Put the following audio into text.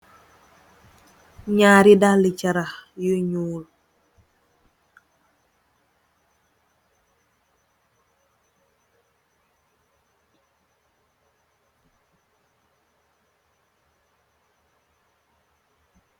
Ñaari dalli carax yu ñuul.